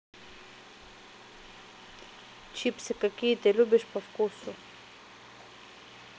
чипсы какие ты любишь по вкусу